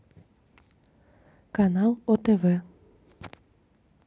канал отв